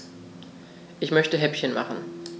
Ich möchte Häppchen machen.